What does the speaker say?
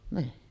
niin